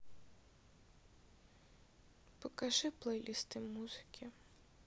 покажи плей листы музыки